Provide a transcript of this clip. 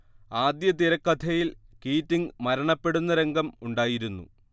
ആദ്യ തിരക്കഥയിൽ കീറ്റിംഗ് മരണപ്പെടുന്ന രംഗം ഉണ്ടായിരുന്നു